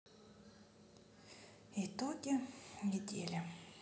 итоги недели